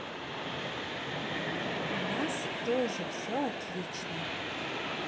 у нас тоже все отлично